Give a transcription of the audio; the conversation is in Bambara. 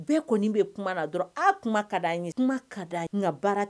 Bɛɛ kɔni bɛ kuma na dɔrɔn a kuma ka di ye a kuma ka di ye nka baara